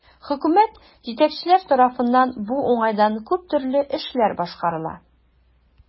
Хөкүмәт, җитәкчеләр тарафыннан бу уңайдан күп төрле эшләр башкарыла.